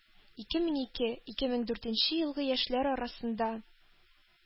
Ике мең ике, ике мең дүртенче елгы яшьләр арасында